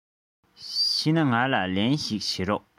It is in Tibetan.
ཕྱིན ན ང ལ ལན བྱིན རོགས